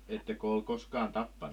ettekö ole koskaan tappanut